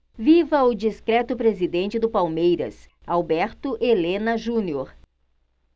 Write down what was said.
viva o discreto presidente do palmeiras alberto helena junior